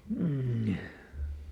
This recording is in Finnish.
mm